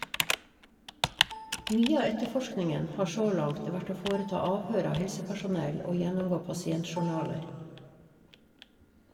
Mye av etterforskningen har så langt vært å foreta avhør av helsepersonell og gjennomgå pasientjournaler.